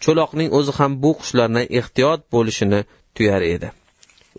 cho'loqning o'zi ham bu qushlardan ehtiyot bo'lishni tuyar edi